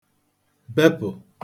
bepụ̀